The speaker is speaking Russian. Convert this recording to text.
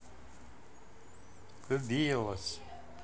влюбилась